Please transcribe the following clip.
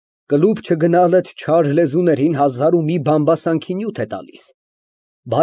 Կլուբ չգնալդ չար լեզուներին հազար ու մի բամբասանքի նյութ է տալիս։